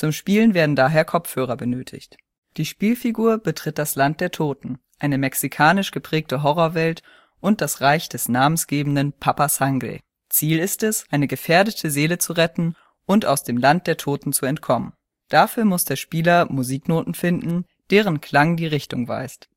Spielen werden daher Kopfhörer benötigt. Die Spielfigur betritt das Land der Toten, eine mexikanisch geprägte Horrorwelt und das Reich des namensgebenden Papa Sangre. Ziel ist es, eine gefährdete Seele zu retten und aus dem Land der Toten zu entkommen. Dafür muss der Spieler Musiknoten finden, deren Klang die Richtung weist